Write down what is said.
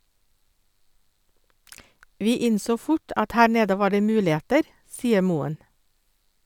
Vi innså fort at her nede var det muligheter, sier Moen.